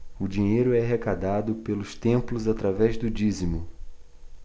o dinheiro é arrecadado pelos templos através do dízimo